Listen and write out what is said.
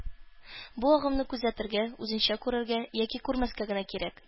Бу агымны күзәтергә, үзеңчә күрергә, яки күрмәскә генә кирәк